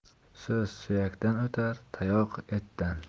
so'z suyakdan o'tar tayoq etdan